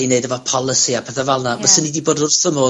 I neud efo polisi a petha fel 'na... Ie. ...byswn i 'di bod wrth 'ym modd